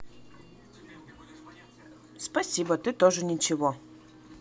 спасибо ты тоже ничего